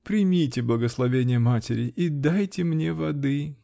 Примите благословение матери -- и дайте мне воды!